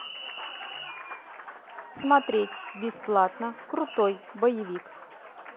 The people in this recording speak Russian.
смотреть бесплатно крутой боевик